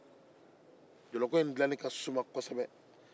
jɔlɔkɔ in dilali ka suma kosɛbɛ